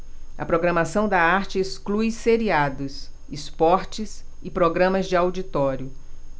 a programação da arte exclui seriados esportes e programas de auditório